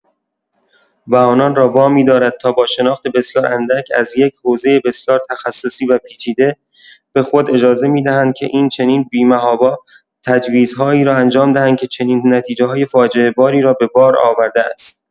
و آنان را وامی‌دارد تا با شناخت بسیار اندک از یک حوزۀ بسیار تخصصی و پیچیده، به خود اجاز می‌دهند که این‌چنین بی‌محابا تجویزهایی را انجام دهند که چنین نتیجه‌های فاجعه‌باری را به بار آورده است.